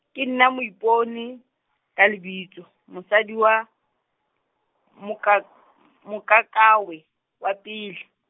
ke nna Moiponi ka lebitso, mosadi wa Moka-, Mokakawe, wa pele.